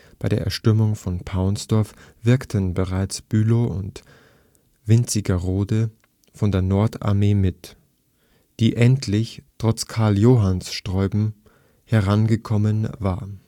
Bei der Erstürmung von Paunsdorf wirkten bereits Bülow und Wintzingerode von der Nordarmee mit, die endlich − trotz Karl Johanns Sträuben − herangekommen war